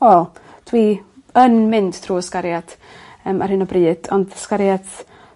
Wel dwi yn mynd trw' ysgariad yym ar hyn o bryd ond sgariad s-